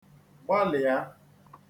gbalịa